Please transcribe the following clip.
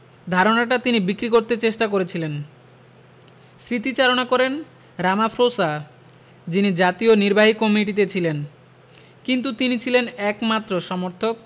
ধারণাটা তিনি বিক্রি করতে চেষ্টা করেছিলেন স্মৃতিচারণা করেন রামাফ্রোসা যিনি জাতীয় নির্বাহী কমিটিতে ছিলেন কিন্তু তিনি ছিলেন একমাত্র সমর্থক